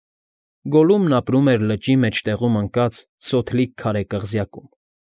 Գոլլումն ապրում էր լճի մեջտեղում ընկած սոթլիկ քարե կղզյակում։